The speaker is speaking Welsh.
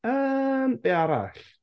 Yy, be arall?